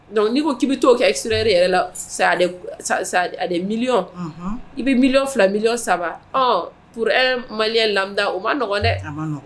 Dɔnku n'i ko k'i bɛ to kɛ e sirare yɛrɛ la ale miy i bɛ miyan fila miy saba pure mali lam u ma nɔgɔ dɛ